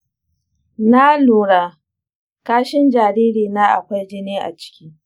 na lura kashin jaririna akwai jini a ciki.